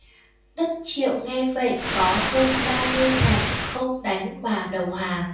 đất triệu nghe vậy có hơn ba mươi thành không đánh mà đầu hàng